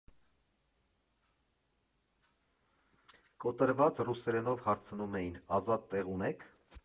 Կոտրված ռուսերենով հարցնում էին՝ ազատ տեղ ունե՞ք։